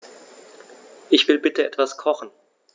Ich will bitte etwas kochen.